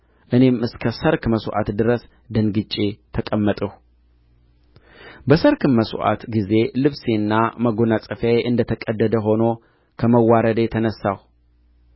እኔ ተሰበሰቡ እኔም እስከ ሠርክ መሥዋዕት ድረስ ደንግጬ ተቀመጥሁ በሠርክም መሥዋዕት ጊዜ ልብሴና መጐናጸፊያዬ እንደ ተቀደደ ሆኖ ከመዋረዴ ተነሣሁ